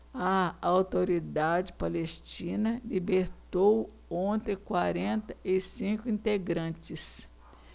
a autoridade palestina libertou ontem quarenta e cinco integrantes